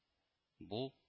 Бу